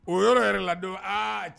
O yɔrɔ yɛrɛ ladon aa